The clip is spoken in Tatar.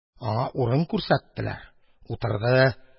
Аңа урын күрсәттеләр – утырды.